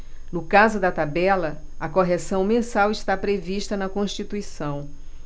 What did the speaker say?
no caso da tabela a correção mensal está prevista na constituição